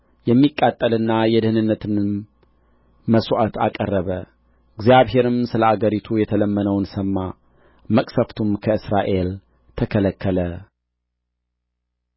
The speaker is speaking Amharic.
የሚቃጠልና የደኅንነትንም መሥዋዕት አቀረበ እግዚአብሔርም ስለ አገሪቱ የተለመነውን ሰማ መቅሠፍቱም ከእስራኤል ተከለከለ